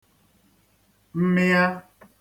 mmịa